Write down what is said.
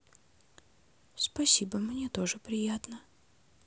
спасибо мне тоже приятно